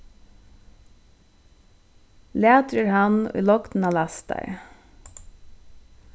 latur er hann ið lognina lastar